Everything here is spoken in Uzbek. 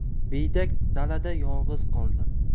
biydak dalada yolg'iz qoldim